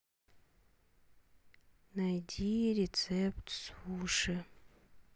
найди рецепт суши